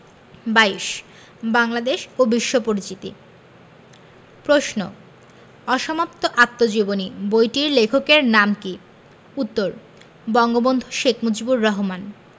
২২ বাংলাদেশ ও বিশ্ব পরিচিতি প্রশ্ন অসমাপ্ত আত্মজীবনী বইটির লেখকের নাম কী উত্তর বঙ্গবন্ধু শেখ মুজিবুর রহমান